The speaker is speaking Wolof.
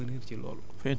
te matière organique